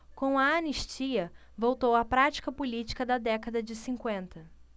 com a anistia voltou a prática política da década de cinquenta